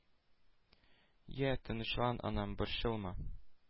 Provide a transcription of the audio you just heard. — я, тынычлан, анам, борчылма,